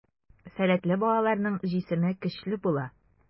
Сәләтле балаларның җисеме көчле була.